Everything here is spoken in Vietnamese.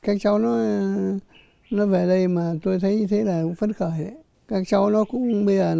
các cháu nó về đây mà tôi thấy thế là cũng phấn khởi các cháu nó cũng bây giờ